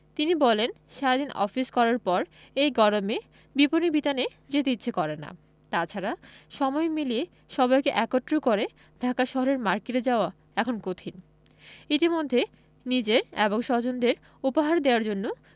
তিনি বলেন সারা দিন অফিস করার পর এই গরমে বিপণিবিতানে যেতে ইচ্ছে করে না তা ছাড়া সময় মিলিয়ে সবাইকে একত্র করে ঢাকা শহরের মার্কেটে যাওয়া এখন কঠিন ইতিমধ্যে নিজের এবং স্বজনদের উপহার দেওয়ার জন্য